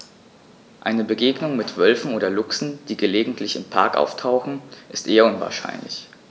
Eine Begegnung mit Wölfen oder Luchsen, die gelegentlich im Park auftauchen, ist eher unwahrscheinlich.